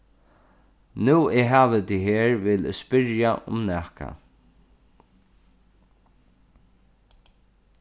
nú eg havi teg her vil eg spyrja um nakað